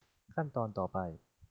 ขั้นตอนต่อไป